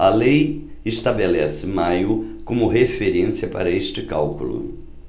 a lei estabelece maio como referência para este cálculo